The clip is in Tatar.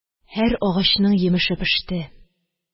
Һәр агачның йимеше пеште,